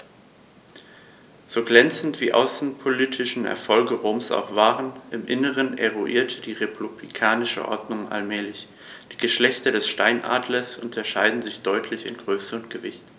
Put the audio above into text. So glänzend die außenpolitischen Erfolge Roms auch waren: Im Inneren erodierte die republikanische Ordnung allmählich. Die Geschlechter des Steinadlers unterscheiden sich deutlich in Größe und Gewicht.